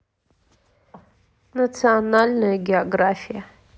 национальная география